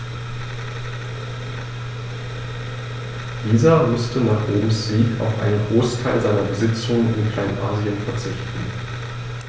Dieser musste nach Roms Sieg auf einen Großteil seiner Besitzungen in Kleinasien verzichten.